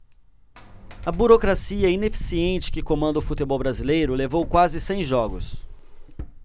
a burocracia ineficiente que comanda o futebol brasileiro levou quase cem jogos